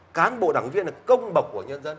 cán bộ đảng viên là công bộc của nhân dân